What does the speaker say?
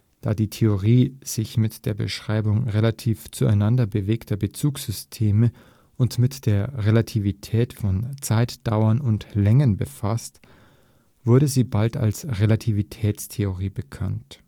Da die Theorie sich mit der Beschreibung relativ zueinander bewegter Bezugssysteme und mit der Relativität von Zeitdauern und Längen befasst, wurde sie bald als „ Relativitätstheorie “bekannt